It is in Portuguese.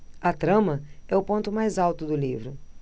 a trama é o ponto mais alto do livro